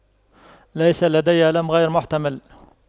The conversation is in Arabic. ليس لدي ألم غير محتمل